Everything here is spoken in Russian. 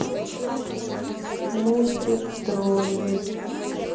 мультик тролли